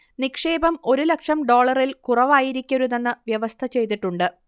നിക്ഷേപം ഒരു ലക്ഷം ഡോളറിൽ കുറവായിരിക്കരുതെന്ന് വ്യവസ്ഥ ചെയ്തിട്ടുണ്ട്